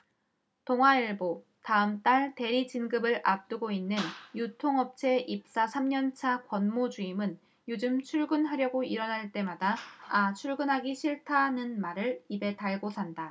동아일보 다음 달 대리 진급을 앞두고 있는 유통업체 입사 삼 년 차 권모 주임은 요즘 출근하려고 일어날 때마다 아 출근하기 싫다는 말을 입에 달고 산다